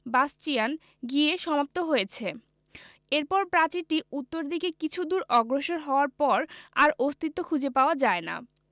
bastion গিয়ে সমাপ্ত হয়েছে এরপর প্রাচীরটি উত্তর দিকে কিছু দূর অগ্রসর হওয়ার পর আর অস্তিত্ব খুঁজে পাওয়া যায় না